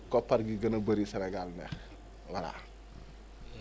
koppar gi gën a bëri Sénégal neex voilà